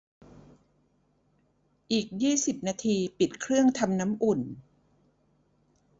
อีกยี่สิบนาทีปิดเครื่องทำน้ำอุ่น